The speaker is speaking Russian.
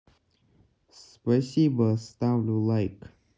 спасибо ставлю лайк